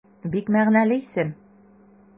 Бик мәгънәле исем.